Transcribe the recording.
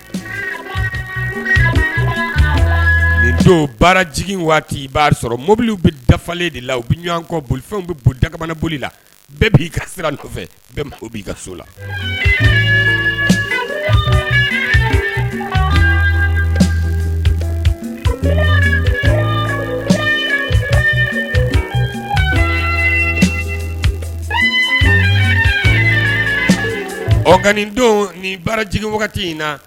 Nin baara jigin b' sɔrɔ mobiliw bɛ dafalen de la u bɛ ɲɔgɔn kɔ bolifɛnw bɛ daoli la bɛɛ b'i ka sira nɔfɛ bi ka so la nin don ni baarajigiigin wagati in na